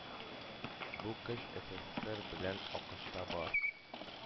Бу көч эсэсэсэр белән акышта бар,